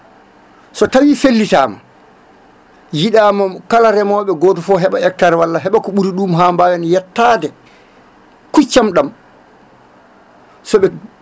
so tawi fellitama yiiɗama kala reemoɓe goto foof heeɓa hectare walla heeɓa ko ɓuuri ɗum ha mbawen yettade kuccam ɗam sooɓe